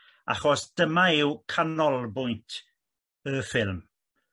achos dyma yw canolbwynt y ffilm.